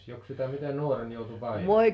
jokos sitä miten nuorena joutui paimeneen